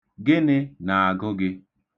Gịnị na-agụ gị?